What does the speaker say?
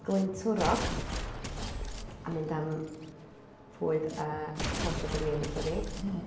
Glyntwrog a mynd am fwyd a glasiad o win wnaethon ni.